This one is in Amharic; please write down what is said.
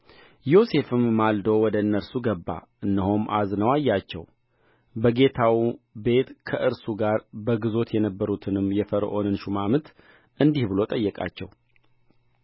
ዮሴፍም ማልዶ ወደ እነርሱ ገባ እነሆም አዝነው አያቸው በጌታው ቤት ከእርሱ ጋር በግዞት የነበሩትንም የፈርዖንን ሹማምት እንዲህ ብሎ ጠየቃቸው